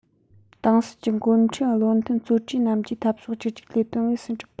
ཏང སྲིད ཀྱི འགོ ཁྲིད བློ མཐུན གཙོ གྲས རྣམས ཀྱིས འཐབ ཕྱོགས གཅིག གྱུར ལས དོན དངོས སུ བསྒྲུབས པ